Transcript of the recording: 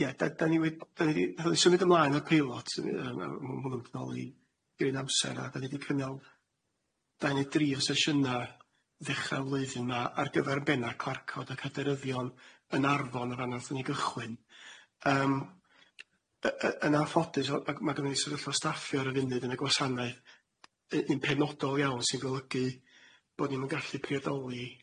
Ie da- da'n ni wed- da'n ni nath o'n i symud ymlaen â'r preilot yy yy yy yy m- m- m- mynd nôl i run amser a da'n ni di cynnal dau ne' dri o sesiyna' ddechra ym mlydden ma' ar gyfer benna' clarcod ac aderyddion yn Arfon a fa' nath o'n i gychwyn, yym yy yy yn anffodus o- a- ma' g- ma' gynnon ni sort of allo staffio ar y funud yn y gwasanae yy yn penodol iawn sy'n golygu bod ni'm yn gallu priodoli